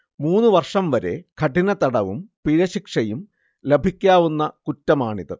മൂന്നുവർഷം വരെ കഠിനതടവും പിഴശിക്ഷയും ലഭിക്കാവുന്ന കുറ്റമാണിത്